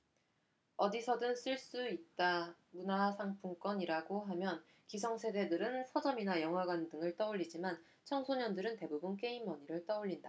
어디서든 쓸 수 있다문화상품권이라고 하면 기성세대들은 서점이나 영화관 등을 떠올리지만 청소년들은 대부분 게임머니를 떠올린다